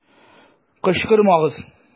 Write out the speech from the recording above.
Кычкырмагыз!